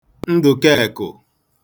Ndụkẹẹkụ